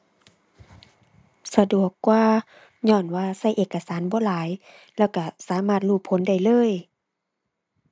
สะดวกกว่า ญ้อนว่าใช้เอกสารบ่หลาย แล้วใช้สามารถรู้ผลได้เลย